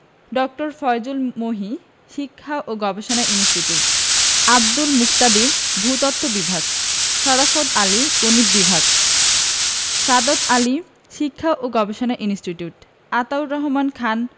ড. ফয়জুল মহি শিক্ষা ও গবেষণা ইনস্টিটিউট আব্দুল মুকতাদির ভূ তত্ত্ব বিভাগ শরাফৎ আলী গণিত বিভাগ সাদত আলী শিক্ষা ও গবেষণা ইনস্টিটিউট আতাউর রহমান খান